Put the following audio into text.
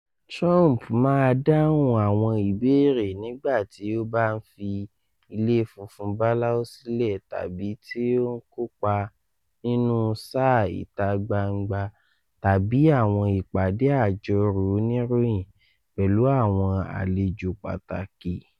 Trump máa ń dáhùn àwọn ìbéèrè nígbàtí ó bá ń fi Ilé Funfun Báláú sílẹ̀ tàbí tí ó ń kópa nínú ṣàá ìta gbangba tàbí àwọn ìpàdé àjọrò oníròyìn pẹ̀lú àwọn àlejò pàtàkì.